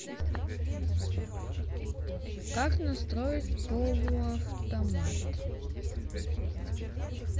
как настроить полуавтомат